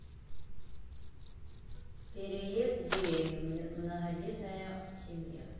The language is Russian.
переезд в деревню многодетная семья